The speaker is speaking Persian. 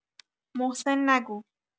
محسن نگو